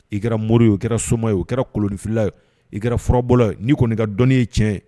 I kɛra mori ye o kɛra soma ye o kɛra koloninfi ye i kɛra furabɔ'i kɔni ka dɔnni ye tiɲɛ